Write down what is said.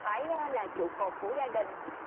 phải là trụ cột của gia đình